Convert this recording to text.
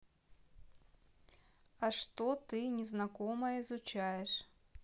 а что ты незнакомое изучаешь